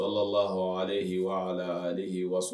Salalahu walehi wa ala alehi wa s